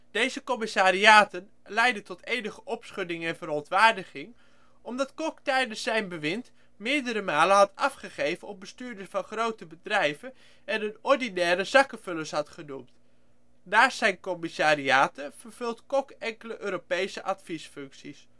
Deze commissariaten leidden tot enige opschudding en verontwaardiging, omdat Kok tijdens zijn bewind meerdere malen had afgegeven op bestuurders van grote bedrijven en hun " ordinaire zakkenvullers " had genoemd. Naast zijn commissariaten vervult Kok enkele Europese adviesfuncties